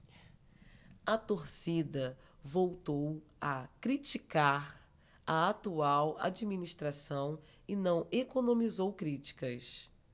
a torcida voltou a criticar a atual administração e não economizou críticas